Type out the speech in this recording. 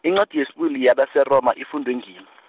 incwadi yesibili yabaseRoma ifundwe ngimi.